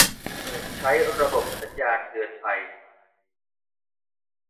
เปิดใช้ระบบสัญญาณเตือนภัย